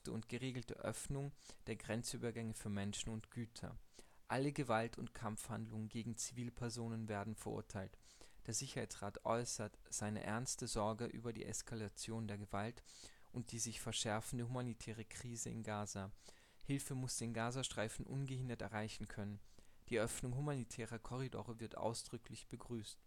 und geregelte Öffnung der Grenzübergänge für Menschen und Güter. Alle Gewalt und Kampfhandlungen gegen Zivilpersonen werden verurteilt. Der Sicherheitsrat äußert seine ernste Sorge über die Eskalation der Gewalt und die sich verschärfende humanitäre Krise in Gaza. Hilfe muss den Gazastreifen ungehindert erreichen können, die Öffnung humanitärer Korridore wird ausdrücklich begrüßt